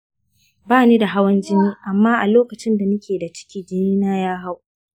bani da hawan jini amma a lokacin da nike da ciki jini na ya hau.